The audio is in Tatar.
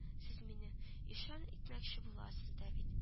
Сез мине ишан итмәкче буласыз да бит